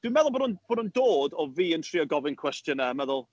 Dwi'n meddwl bod o'n bod o'n dod o fi yn trio gofyn cwestiynau, a meddwl...